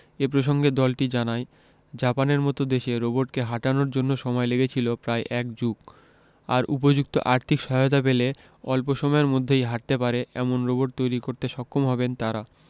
এ প্রসঙ্গে দলটি জানায় জাপানের মতো দেশে রোবটকে হাঁটানোর জন্য সময় লেগেছিল প্রায় এক যুগ আর উপযুক্ত আর্থিক সহায়তা পেলে অল্প সময়ের মধ্যেই হাঁটতে পারে এমন রোবট তৈরি করতে সক্ষম হবেন তারা